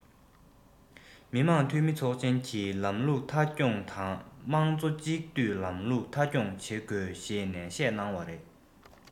མི དམངས འཐུས མི ཚོགས ཆེན གྱི ལམ ལུགས མཐའ འཁྱོངས དང དམངས གཙོ གཅིག སྡུད ལམ ལུགས མཐའ འཁྱོངས བྱེད དགོས ཞེས ནན བཤད གནང བ རེད